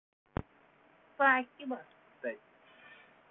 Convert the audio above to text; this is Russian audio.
спасибо кстати